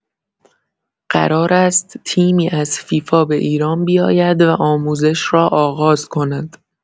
قرار است تیمی از فیفا به ایران بیاید و آموزش را آغاز کند.